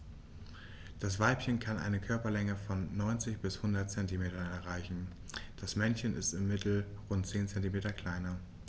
Das Weibchen kann eine Körperlänge von 90-100 cm erreichen; das Männchen ist im Mittel rund 10 cm kleiner.